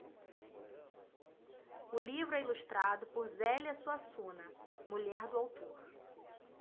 o livro é ilustrado por zélia suassuna mulher do autor